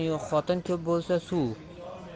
yo'q xotin ko'p bo'lsa suv